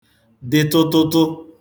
dị tụtụtụ